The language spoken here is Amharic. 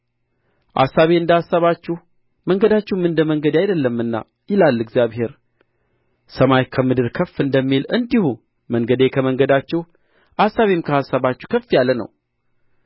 አሳቤ እንደ አሳባችሁ መንገዳችሁም እንደ መንገዴ አይደለምና ይላል እግዚአብሔር ሰማይ ከምድር ከፍ እንደሚል እንዲሁ መንገዴ ከመንገዳችሁ አሳቤም ከአሳባችሁ ከፍ ያለ ነው